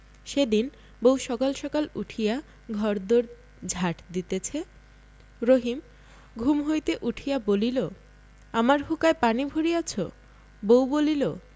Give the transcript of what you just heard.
সেদিন বউ সকালে সকালে উঠিয়া ঘর দোর ঝাট দিতেছে রহিম ঘুম হইতে উঠিয়া বলিল আমার হুঁকায় পানি ভরিয়াছ বউ বলিল